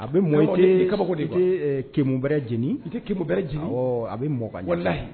A bɛ mɔ kabakoumurɛ jeni i tɛumu bɛeni a bɛ mɔgɔ